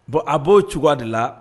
Bon a bo cogoya de la